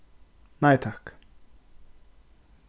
nei takk